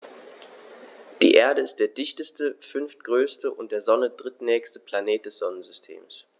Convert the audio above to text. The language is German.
Die Erde ist der dichteste, fünftgrößte und der Sonne drittnächste Planet des Sonnensystems.